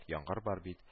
Яңгыр бар бит